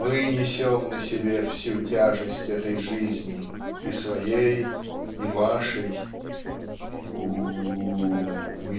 Мы несем на себе всю тяжесть этой жизни, и своей, и вашей. У-у-у!